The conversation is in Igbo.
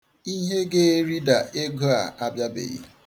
Ihe ga-erida ego a abịabeghị.